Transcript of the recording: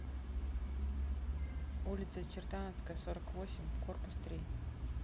улица чертановская сорок восемь корпус три